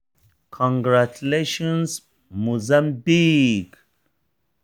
Congratulations, Mozambique!